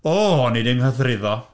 O! O'n i 'di nghythruddo.